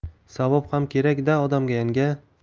savob ham kerak da odamga yanga